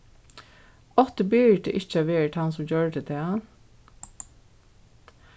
átti birita ikki at verið tann sum gjørdi tað